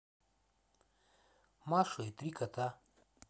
маша и три кота